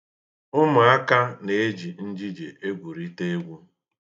Ụmụaka na-eji njije egwurịta egwu.